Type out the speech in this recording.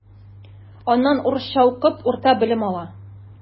Аннан урысча укып урта белем ала.